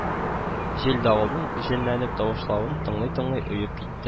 Җил-давылның җенләнеп тавышлануын тыңлый-тыңлый оеп китте